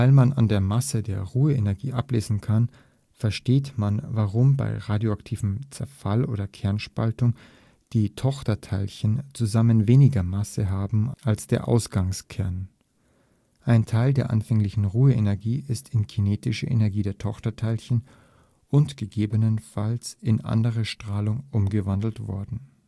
man an der Masse die Ruheenergie ablesen kann, versteht man, warum bei radioaktivem Zerfall oder Kernspaltung die Tochterteilchen zusammen weniger Masse haben als der Ausgangskern: Ein Teil der anfänglichen Ruheenergie ist in kinetische Energie der Tochterteilchen und gegebenenfalls in andere Strahlung umgewandelt worden